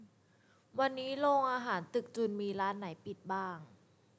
วันนี้โรงอาหารตึกจุลมีร้านไหนปิดบ้าง